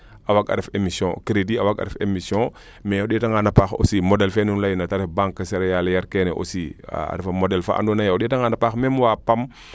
a waag a ref emission credit a waag a ref emission mais o ndeeta ngan a paax aussi modele fee nu ley na te ref banque cerealiaire keene aussi a refa modele afa ando naye o ndeeta ngaan a paax meme waa PAM